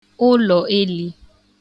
ụlọ̀elī